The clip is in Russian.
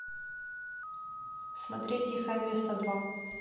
смотреть тихое место два